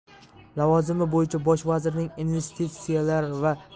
lavozimi bo'yicha bosh vazirning investitsiyalar va